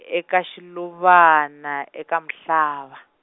eka Shiluvana eka Mhlava.